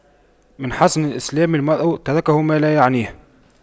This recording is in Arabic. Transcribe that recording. من حسن إسلام المرء تَرْكُهُ ما لا يعنيه